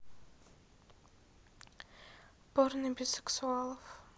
порно бисексуалов